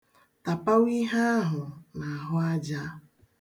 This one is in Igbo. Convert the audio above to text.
Tapawa ihe ahụ n'ahụaja.